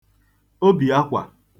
obìakwa